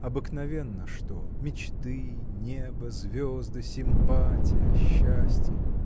Обыкновенно что: мечты, небо, звезды, симпатия, счастье.